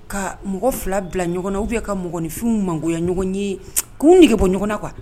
Ka mɔgɔ fila bila ɲɔgɔn na u bɛ ka mɔgɔninfin mangoya ɲɔgɔn ye k'u nɛgɛge bɔ ɲɔgɔn na kuwa